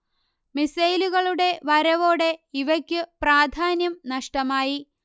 മിസൈലുകളുടെ വരവോടെ ഇവയ്ക്കു പ്രാധാന്യം നഷ്ടമായി